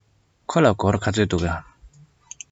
ཁོ ལ སྒོར ག ཚོད འདུག གམ